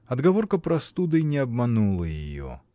Отговорка простудой не обманула ее.